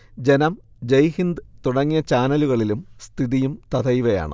ജനം, ജയ്ഹിന്ദ് തുടങ്ങിയ ചാനലുകളിലും സ്ഥിതിയും തഥൈവയാണ്